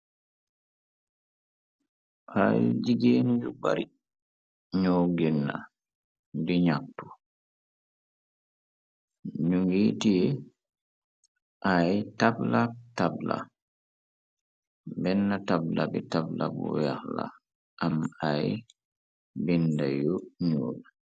rayu jigeen yu bari ñoo genna di ñapp ñu ngiti ay b ab benn tabla bi tabla bu weex la am ay binda yu ñuul